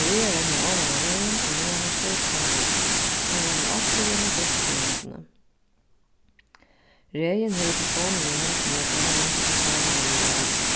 maria rennur oman á vegin og niðan aftur hvønn morgun hon rennur altíð við einum dunki í hondini regin hevur telefonina í hondini tá hann ringir til sámal og meldar avboð